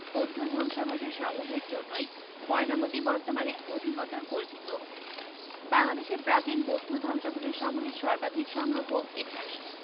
বৌদ্ধ ধ্বংসাবশেষসমূহের জন্যই ময়নামতী বর্তমানে অধিকতর পরিচিত বাংলাদেশের প্রাচীন বৌদ্ধ ধ্বংসাবশেষসমূহের সর্বাধিক সংগ্রহ এখানেই